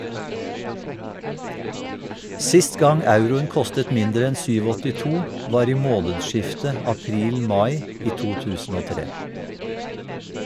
Sist gang euroen kostet mindre enn 7,82, var i månedsskiftet april-mai i 2003.